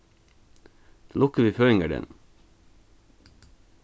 til lukku við føðingardegnum